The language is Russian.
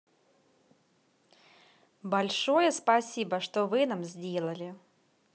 большое спасибо что вы нам сделали